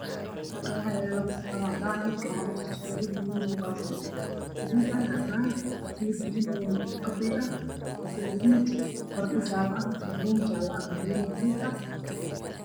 halkaan waxaa yaalo labo saxan oo cadaan ah mid waxaa kujiro suugo gaduudan iyo baasto gaduud ah iyo cagaar, hilib kafay ah, basal gaduud, baradho jaale ah iyo barbanooni jaale ah iyo mid gaduud ah.